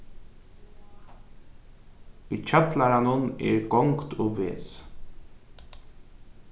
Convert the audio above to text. í kjallaranum er gongd og ves